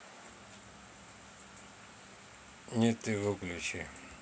нет ты выключи